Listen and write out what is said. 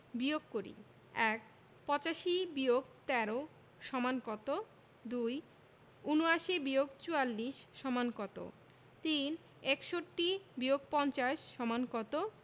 বিয়োগ করিঃ ১ ৮৫-১৩ = কত ২ ৭৯-৪৪ = কত ৩ ৬১-৫০ = কত